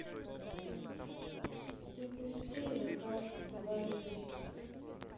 запусти заказ в айдринк